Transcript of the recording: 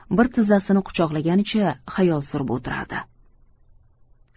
bir tizzasini quchoqlaganicha xayol surib o'tirardi